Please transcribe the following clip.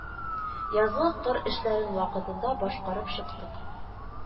Язгы кыр эшләрен вакытында башкарып чыктык